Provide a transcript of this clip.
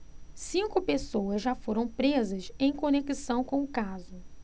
cinco pessoas já foram presas em conexão com o caso